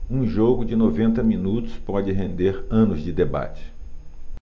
um jogo de noventa minutos pode render anos de debate